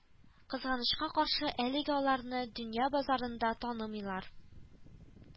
Кызганычка каршы, әлегә аларны дөнья базарында танымыйлар